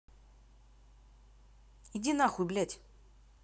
иди нахуй блядь